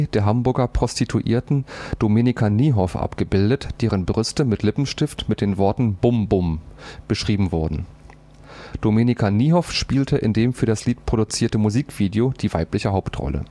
der Hamburger Prostituierten Domenica Niehoff abgebildet, deren Brüste mit Lippenstift mit den Worten „ BUM BUM “beschrieben wurden. Domenica Niehoff spielte in dem für das Lied produzierten Musikvideo die weibliche Hauptrolle